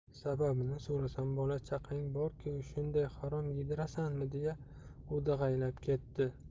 sababini so'rasam bola chaqang borku shunday harom yedirasanmi deya o'dag'aylab ketdi